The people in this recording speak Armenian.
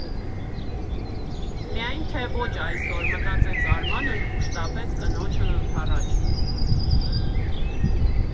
«Միայն թե ոչ այսօր», մտածեց Արմանն ու շտապեց կնոջն ընդառաջ։